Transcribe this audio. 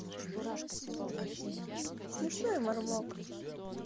смешной мармок